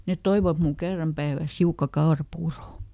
ne toivat minulle kerran päivässä hiukan kaurapuuroa